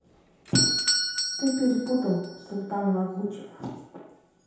ты перепутал султан лагучев